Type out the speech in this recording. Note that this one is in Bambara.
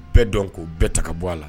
Bɛɛ dɔn ko bɛɛ ta ka bɔ a la